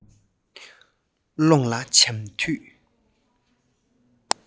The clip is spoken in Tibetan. ཀློང ལ འབྱམས དུས